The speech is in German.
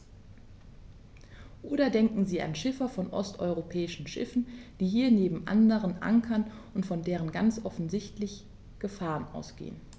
Oder denken Sie an Schiffer von osteuropäischen Schiffen, die hier neben anderen ankern und von denen ganz offensichtlich Gefahren ausgehen.